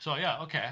So ia ocê.